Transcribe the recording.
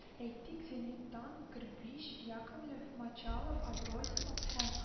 Әйтик, Зениттан Грбич, Яковлев, Мочалов, Абросимов һәм